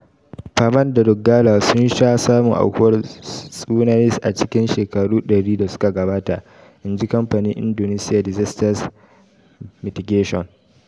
Paman da Donggala sun sha samun aukuwar tsunamis a cikin shekaru 100 da suka gabata, in ji kamfanin Indonesia's Disaster Mitigation.